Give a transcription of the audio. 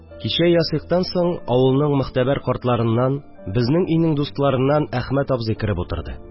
Кичә ясигътан соң авылның могтәбәр картларыннан, безнең өйнең дустларыннан әхмәт абзый кереп утырды